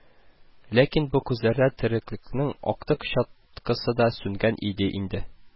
Ләкин бу күзләрдә тереклекнең актык чаткысы да сүнгән иде инде